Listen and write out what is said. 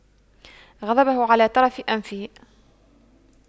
غضبه على طرف أنفه